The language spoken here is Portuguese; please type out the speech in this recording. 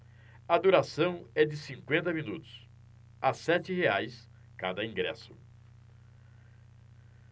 a duração é de cinquenta minutos a sete reais cada ingresso